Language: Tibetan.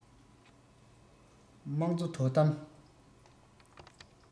དམངས གཙོ དོ དམ